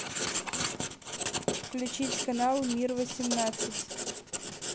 включить канал мир восемнадцать